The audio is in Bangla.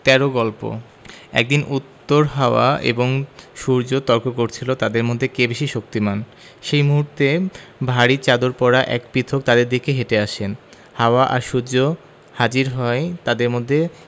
১৩ গল্প একদিন উত্তর হাওয়া এবং সূর্য তর্ক করছিল তাদের মধ্যে কে বেশি শক্তিমান সেই মুহূর্তে ভারি চাদর পরা একজন পথিক তাদের দিকে হেটে আসেন হাওয়া আর সূর্য রাজি হয় তাদের মধ্যে